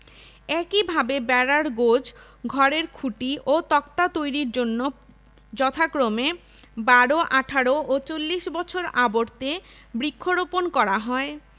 একইভাবে বেড়ার গোঁজ ঘরের খুঁটি ও তক্তা তৈরির জন্য যথাক্রমে ১২ ১৮ ও ৪০ বছর আবর্তে বৃক্ষরোপণ করা হয়